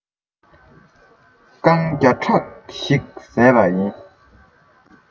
རྐང བརྒྱ ཕྲག ཙམ ཞིག བཟས པ ཡིན